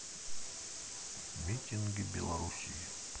митинги белоруссии